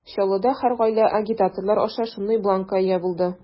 Чаллыда һәр гаилә агитаторлар аша шундый бланкка ия булды.